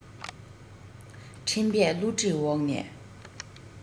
འཕྲིན པས བསླུ བྲིད འོག ནས